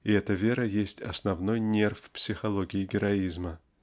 и эта вера есть основной нерв психологии героизма.